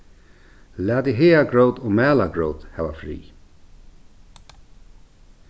latið hagagrót og malargrót hava frið